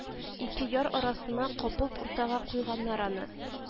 Ике яр арасына капылт уртага куйганнар аны